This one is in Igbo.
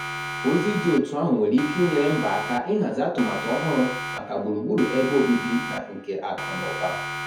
Ozi dị otu ahụ nwere ike ịnyere mba aka ịhazi atụmatụ ọhụrụ maka gburugburu ebe obibi na nke akụ na ụba.